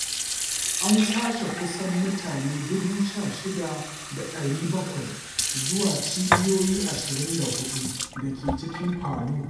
An kwashe kusan mutane 16,700 zuwa cibiyoyi 24 da ke cikin Palu.